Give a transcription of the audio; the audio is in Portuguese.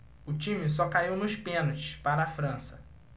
o time só caiu nos pênaltis para a frança